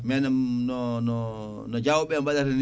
mais no no no Diawɓeɓe mbaɗata ni